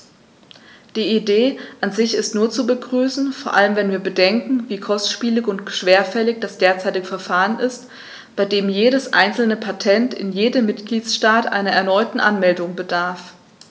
Die Idee an sich ist nur zu begrüßen, vor allem wenn wir bedenken, wie kostspielig und schwerfällig das derzeitige Verfahren ist, bei dem jedes einzelne Patent in jedem Mitgliedstaat einer erneuten Anmeldung bedarf.